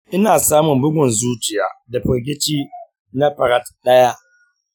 ina samun bugun zuciya da firgici na farat daya.